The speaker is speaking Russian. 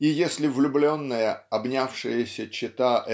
и если влюбленная обнявшаяся чета